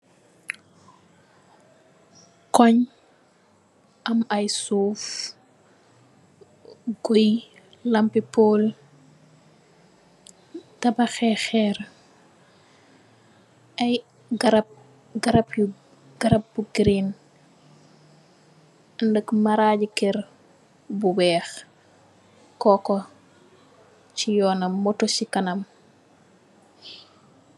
Kongh, am aiiy suff, guiiy, lampi pole, tabakh hee kherre, aiiy garab, garab yu, garab bu green, aandak marajji kerr bu wekh, coco cii yohnam, motor chi kanam.